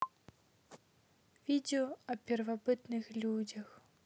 видео о первобытных людей